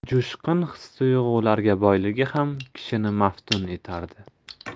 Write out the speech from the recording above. jo'shqin his tuyg'ularga boyligi ham kishini maftun etardi